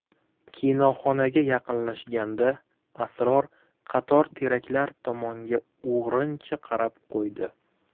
kinoxonaga yaqinlashganda asror qator teraklar tomonga o'g'rincha qarab qo'ydi